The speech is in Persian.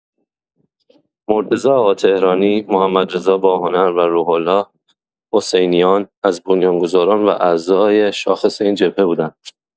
مرتضی آقاتهرانی، محمدرضا باهنر و روح‌الله حسینیان از بنیان‌گذاران و اعضای شاخص این جبهه بودند.